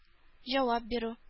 Җавап бирү